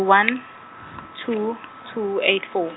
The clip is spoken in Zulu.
one , two, two, eight four.